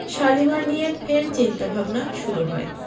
শালিমার নিয়ে ফের চিন্তা ভাবনা শুরু হয়